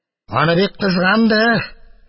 Аны бик кызганды.